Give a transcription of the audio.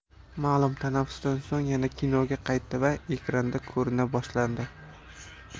ma'lum tanaffusdan so'ng yana kinoga qaytdi va ekranda ko'rina boshladi